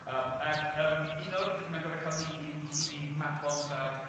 Yym ac yym un o'r petha mae'n gorod ca'l hyd i hyd i Mabon fab